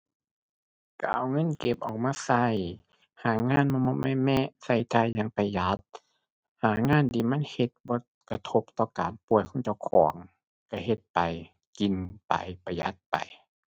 ก็เอาเงินเก็บออกมาก็ หางานเมาะเมาะแมะแมะ ก็จ่ายอย่างประหยัด หางานที่มันเฮ็ดบ่กระทบต่อการป่วยของเจ้าของ ก็เฮ็ดไป กินไป ประหยัดไป